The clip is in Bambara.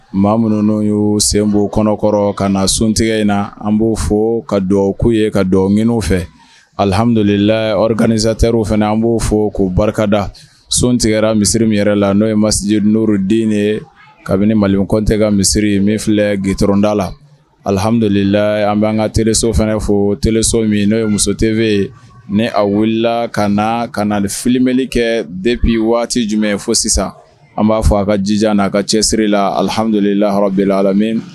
Maa minnu n'o ye senbon kɔnɔkɔrɔ ka na suntigɛ in na an b'o fɔ ka dɔn' ye ka dɔn minnu fɛ alihammudulilila k2zter fana an b'o fɔ koo barikada son tigɛra misiri min yɛrɛ la n'o ye masidi n'roden de ye kabini mali kɔn tɛ ka misiri min filɛ gtronda la alihammududulilila an bɛan ka terireso fana fɔ teso min n'o ye muso tebe ye ni a wulila ka ka fililibli kɛ depi waati jumɛn fo sisan an b'a fɔ a ka jija n' a ka cɛsiriri la alihamduli laɔrɔbela la min